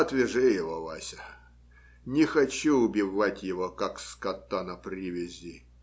Отвяжи его, Вася: не хочу убивать его, как скота на привязи.